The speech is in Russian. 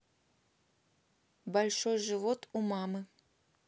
большой живот у мамы